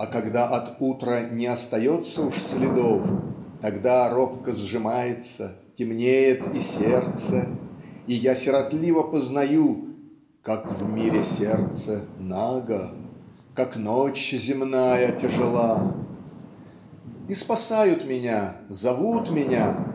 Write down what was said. А когда от утра не остается уж следов тогда робко сжимается темнеет и сердце и я сиротливо познаю "как в мире сердце наго как ночь земная тяжела" и спасают меня зовут меня